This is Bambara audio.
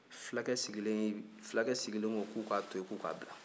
fulakɛ sigilen ko k'u ka to yen k'u ka bila